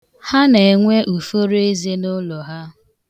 Ha na-enwe uforo eze n'ụlọ ha.